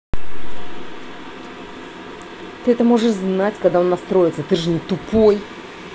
ты это можешь знать когда он настроится ты же не тупой